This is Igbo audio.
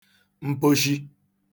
mposhi